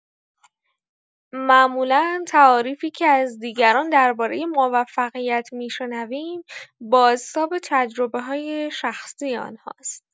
معمولا تعاریفی که از دیگران درباره موفقیت می‌شنویم، بازتاب تجربه‌های شخصی آنهاست.